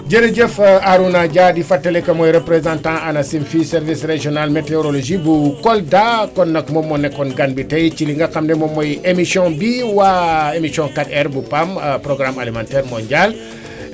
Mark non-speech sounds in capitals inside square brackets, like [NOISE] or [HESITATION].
jërëjëf Arouna Dia di fàttali que mooy représentant [MUSIC] Anacim fii service régional mééorologie bu Kolda kon nag moom moo nekkoon gan bi tey ci li nga xam ne moom mooy émission bii waa [HESITATION] émission 4R bu PAM [HESITATION] programme alimentaire mondial [MUSIC]